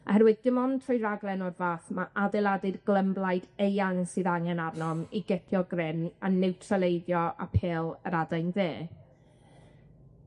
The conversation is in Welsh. oherwydd dim ond trwy raglen o'r fath ma' adeiladu'r glymblaid eang sydd angen arnom i gicio grym a niwtraleiddio apêl yr adain dde.